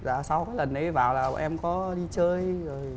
dạ sau cái lần ý vào là tụi em có đi chơi